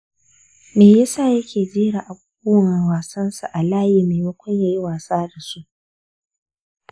me yasa yake jera abubuwan wasansa a layi maimakon ya yi wasa da su?